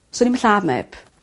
Swn i'm lladd neb.